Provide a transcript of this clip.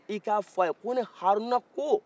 i k'a fɔ a ye ko ne haruna ko